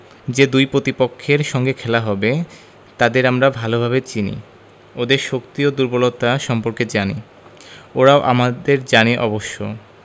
যে দুই প্রতিপক্ষের সঙ্গে খেলা হবে তাদের আমরা ভালোভাবে চিনি ওদের শক্তি ও দুর্বলতা সম্পর্কে জানি ওরাও আমাদের জানে অবশ্য